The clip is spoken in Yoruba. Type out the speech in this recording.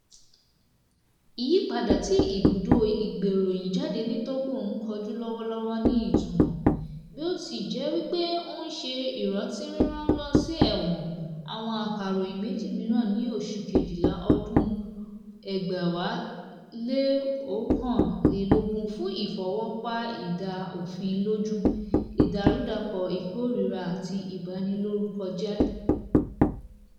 Ìyípadà tí ibùdó ìgbéròyìnjáde ní Togo ń kojú lọ́wọ́ lọ́wọ́ ní ìtumọ̀, bí ó ti jẹ́ wí pé ó ń ṣe ìrántí rírán lọ sí ẹ̀wọ̀n àwọn akọ̀ròyìn méjì mìíràn ní oṣù Kejìlá ọdún 2021 fún ìfọwọ́ pa idà òfin lójú, ìdàrúdàpọ̀ ìkórìíra àti ìbanilórúkọjẹ́.